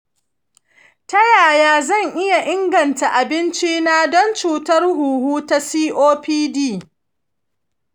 ta yaya zan iya inganta abincina don cutar huhu ta copd?